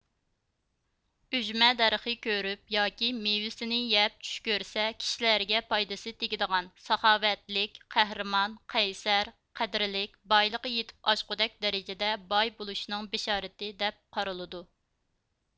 ئۈژمە دەرىخىنى كۆرۈپ ياكى مېۋىسىنى يەپ چۈش كۆرسە كىشىلەرگە پايدىسى تېگىدىغان ساخاۋەتلىك قەھرىمان قەيسەر قەدرىلىك بايلىقى يېتىپ ئاشقۇدەك دەرىجىدە باي بولۇشنىڭ بىشارىتى دەپ قارىلىدۇ